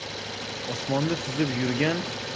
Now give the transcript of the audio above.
osmonda suzib yurgan